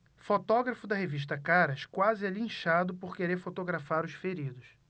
fotógrafo da revista caras quase é linchado por querer fotografar os feridos